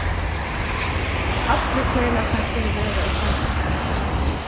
allir serlæknar skulu vera í føroyum